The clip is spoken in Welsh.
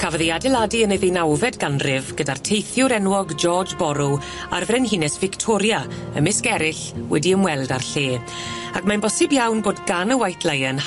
Cafodd ei adeiladu yn y ddeunawfed ganrif gyda'r teithiwr enwog George Borrow a'r Frenhines Victoria ymysg eryll wedi ymweld â'r lle ac mae'n bosib iawn bod gan y White Lion